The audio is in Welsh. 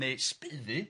neu sbuddu.